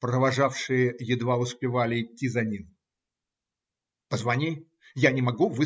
Провожавшие едва успевали идти за ним. - Позвони. Я не могу.